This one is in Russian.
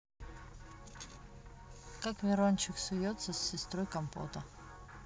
как верончик суется с сестрой компота